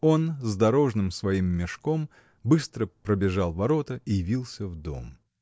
Он, с дорожным своим мешком, быстро пробежал ворота и явился в дом.